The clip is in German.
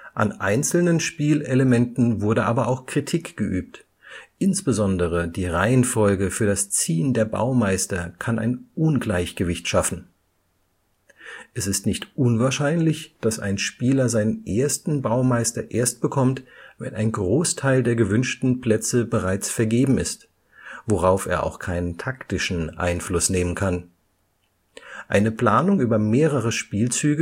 An einzelnen Spielelementen wurde aber auch Kritik geübt, insbesondere die Reihenfolge für das Ziehen der Baumeister kann ein Ungleichgewicht schaffen. Es ist nicht unwahrscheinlich, dass ein Spieler seinen ersten Baumeister erst bekommt, wenn ein Großteil der gewünschten Plätze bereits vergeben ist, worauf er auch keinen taktischen Einfluss nehmen kann. Eine Planung über mehrere Spielzüge